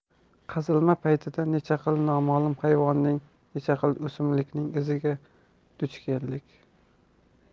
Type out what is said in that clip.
qazilma paytida necha xil nomalum hayvonning necha xil o'simlikning iziga duch keldik